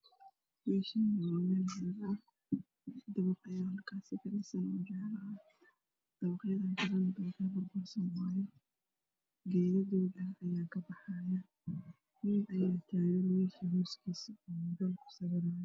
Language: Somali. Meeshaani waa meel xeeb dabaqyo ayaa ka dhisan dabqayadan ku burbirsan waaye geedo duug ayaa kaa baxaayo nin Aya taagan meesha hooskiisa